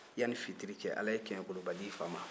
yanni fitiri cɛ ala ye kɛɲɛkoloba di i fa ma